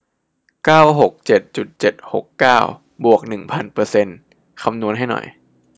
เก้าหกเจ็ดจุดเจ็ดหกเก้าบวกหนึ่งพันเปอร์เซ็นต์คำนวณให้หน่อย